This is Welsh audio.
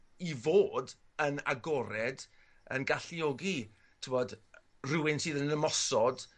...i fod yn agored yn galluogi t'wod yy rywun sydd yn ymosod